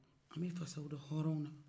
an bɛ fasa da hɔrɔnw na